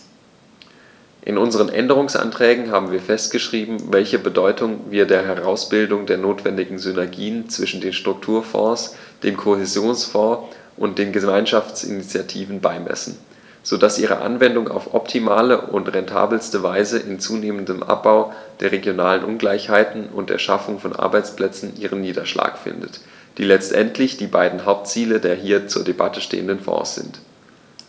In unseren Änderungsanträgen haben wir festgeschrieben, welche Bedeutung wir der Herausbildung der notwendigen Synergien zwischen den Strukturfonds, dem Kohäsionsfonds und den Gemeinschaftsinitiativen beimessen, so dass ihre Anwendung auf optimale und rentabelste Weise im zunehmenden Abbau der regionalen Ungleichheiten und in der Schaffung von Arbeitsplätzen ihren Niederschlag findet, die letztendlich die beiden Hauptziele der hier zur Debatte stehenden Fonds sind.